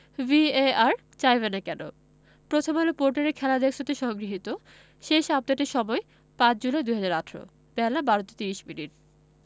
VAR চাইবে না কেন প্রথমআলো পোর্টালের খেলা ডেস্ক হতে সংগৃহীত শেষ আপডেটের সময় ৫ জুলাই ২০১৮ বেলা ১২টা ৩০মিনিট